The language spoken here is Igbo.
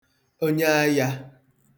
onye ayā